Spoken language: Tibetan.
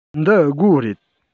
འདི སྒོ རེད